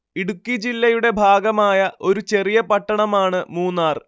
ഇടുക്കി ജില്ലയുടെ ഭാഗമായ ഒരു ചെറിയ പട്ടണമാണ് മൂന്നാർ